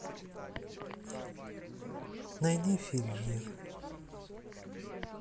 найди фильм ева